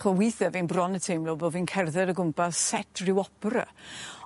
'ch'o withe fi'n bron yn teimlo bo' fi'n cerdded o gwmpas set ryw opera